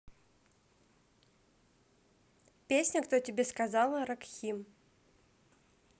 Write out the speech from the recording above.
песня кто тебе сказал rakhim